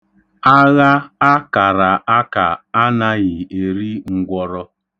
Agha a kara aka anaghị eri ngwọrọ.